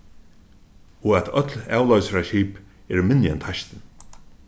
og at øll avloysaraskip eru minni enn teistin